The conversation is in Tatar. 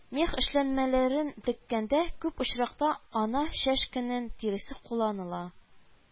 Мех эшләнмәләрен теккәндә, күп очракта ана чәшкенең тиресе кулланыла